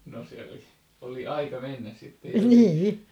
no se oli oli aika mennä sitten jo vihille